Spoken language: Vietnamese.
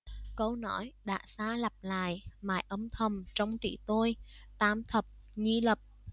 câu nói đã xa lặp lại mãi âm thầm trong trí tôi tam thập nhi lập